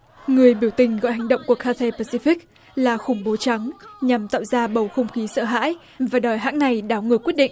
người biểu tình gọi hành động của ca the pa si phích là khủng bố trắng nhằm tạo ra bầu không khí sợ hãi và đòi hãng này đảo ngược quyết định